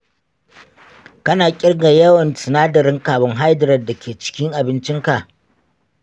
kana kirga yawan sinadarin carbohydrate da ke cikin abincinka?